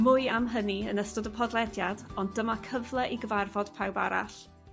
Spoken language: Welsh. Mwy am hynny yn ystod y podlediad ond dyma cyfle i gyfarfod pawb arall.